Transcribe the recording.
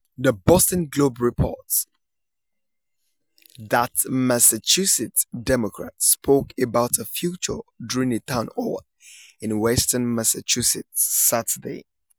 The Boston Globe reports the Massachusetts Democrat spoke about her future during a town hall in western Massachusetts Saturday.